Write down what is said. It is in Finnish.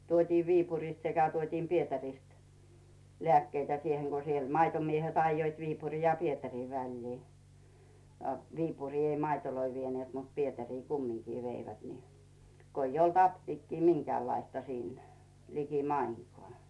tuotiin Viipurista sekä tuotiin Pietarista lääkkeitä siihen kun se maitomiehet ajoivat Viipurin ja Pietarin väliä a Viipuriin ei maitoja vieneet mutta Pietariin kumminkin veivät niin kun ei ollut apteekkia minkäänlaista siinä likimainkaan